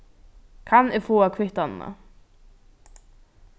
kann eg fáa kvittanina